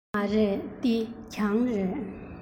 མ རེད འདི གྱང རེད